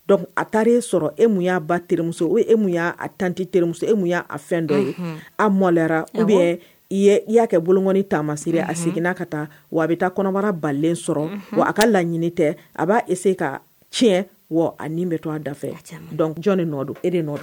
Dɔnkuc a taara e sɔrɔ e mun y'a ba tmuso e e y'a tan teri e mun y'a fɛn dɔ ye a mɔyara u bɛ i y'a kɛ boloki taamamasi a seginna'a ka taa wa a bɛ taa kɔnɔbara balen sɔrɔ a ka laɲini tɛ a b'ase ka tiɲɛ wa ani bɛ to a da fɛ dɔnc nɔ don e de nɔ